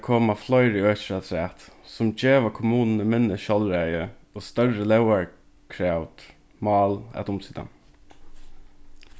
koma fleiri økir afturat sum geva kommununi minni sjálvræði og størri mál at umsita